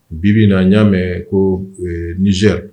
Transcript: Bibi in na n y'a mɛn ko Niger